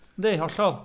Yndy, hollol.